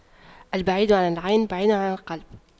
البعيد عن العين بعيد عن القلب